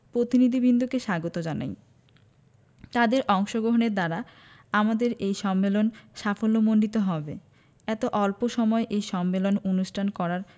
পতিনিধিবৃন্দকে স্বাগত জানাই তাদের অংশগ্রহণের দ্বারা আমাদের এ সম্মেলন সাফল্যমণ্ডিত হবে এত অল্প সময়ে এ সম্মেলন অনুষ্ঠান করার